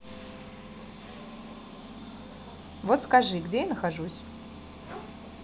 вот скажи где я нахожусь